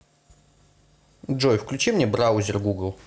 джой включи мне браузер google